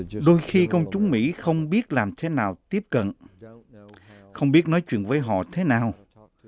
đôi khi công chúng mỹ không biết làm thế nào tiếp cận không biết nói chuyện với họ thế nào